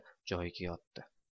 joyiga yotdi